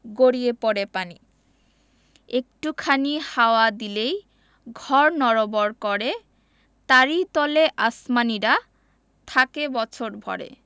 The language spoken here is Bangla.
গড়িয়ে পড়ে পানি একটু খানি হাওয়া দিলেই ঘর নড়বড় করে তারি তলে আসমানীরা থাকে বছর ভরে